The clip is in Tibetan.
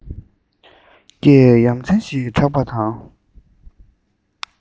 སྐད ཡ མཚན ཞིག གྲགས པ དང